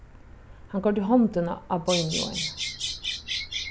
hann koyrdi hondina á beinið á henni